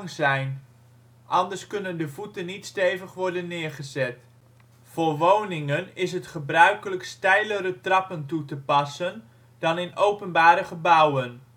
zijn, anders kunnen de voeten niet stevig worden neergezet. Voor woningen is het gebruikelijk steilere trappen toe te passen dan in openbare gebouwen